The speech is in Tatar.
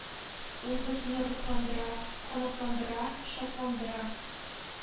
Ул безне рухландыра, канатландыра, шатландыра,